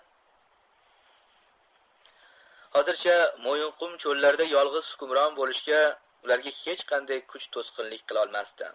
hozircha mo'yinqum cho'llarida yolg'iz hukmron bo'lishga ularga hech qanday kuch to'sqinlik qilolmasdi